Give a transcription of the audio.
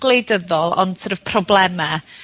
gwleidyddol, ond sor' of probleme